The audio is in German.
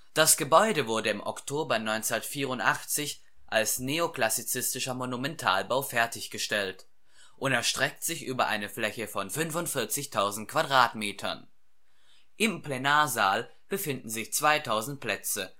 Das Gebäude wurde im Oktober 1984 als neoklassizistischer Monumentalbau fertiggestellt und erstreckt sich über eine Fläche von 45.000 Quadratmetern. Im Plenarsaal befinden sich 2000 Plätze